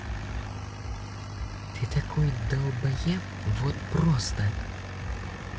ты такой долбоеб вот просто